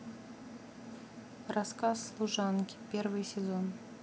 рассказ служанки первый сезон